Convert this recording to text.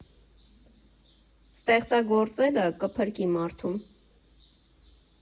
Ստեղծագործելը կփրկի մարդուն։